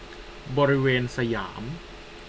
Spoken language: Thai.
บริเวณสยาม